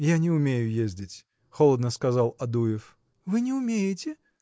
– Я не умею ездить, – холодно сказал Адуев. – Вы не умеете?